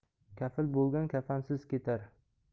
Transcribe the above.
kafil bo'lgan kafansiz ketar